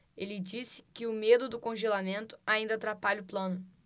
ele disse que o medo do congelamento ainda atrapalha o plano